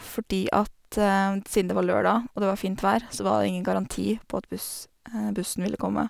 Fordi at siden det var lørdag og det var fint vær så var det ingen garanti på at buss bussen ville komme.